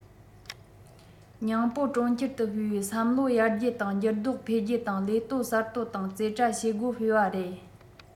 ཉིང པོ གྲོང ཁྱེར དུ སྤེལ བའི བསམ བློ ཡར རྒྱས དང འགྱུར ལྡོག འཕེལ རྒྱས དང ལས གཏོད གསར གཏོད དང རྩེ གྲ བྱེད སྒོ སྤེལ བ རེད